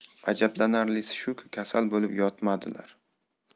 ajablanarlisi shuki kasal bo'lib yotmadilar